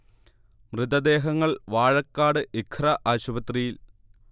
മൃതദേഹങ്ങൾ വാഴക്കാട് ഇഖ്റ ആശുപത്രിയിൽ